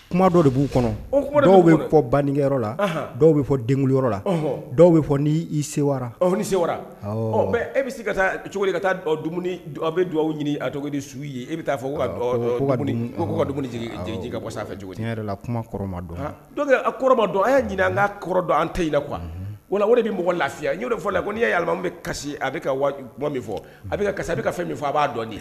Kuma dɔw de b'u kɔnɔ dɔw bɛ kɔ baninyɔrɔ la dɔw bɛ fɔ denyɔrɔ la dɔw bɛ fɔ sewa se e bɛ se ka taa cogo ka taa aw bɛ dugawu ɲini a cogo di su ye e bɛ taa fɔ ka ka dumuni jigin ka sa a fɛ yɛrɛ la kumama dɔn dɔw kɔrɔba dɔn an y' ɲini an n'a kɔrɔ dɔn an tayi la kuwa wala o de bɛ bɔ lafiya n'o fɔ la ko'i' ye yalima bɛ kasi a bɛ min fɔ a bɛ kasi a bɛ ka fɛn min fɔ b'a dɔn di ye